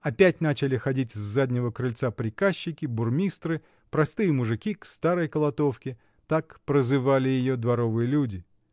опять начали ходить с заднего крыльца приказчики, бурмистры, простые мужики к "старой колотовке", -- так прозывали ее дворовые люди.